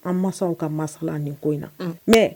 An masaw ka masala ni ko in na mɛ